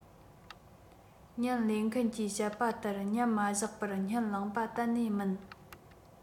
བརྙན ལེན མཁན གྱིས བཤད པ ལྟར མཉམ མ བཞག པར བརྙན བླངས པ གཏན ནས མིན